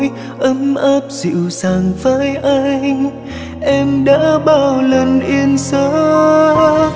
ấm áp dịu dàng vai anh em đã bao lần yên giấc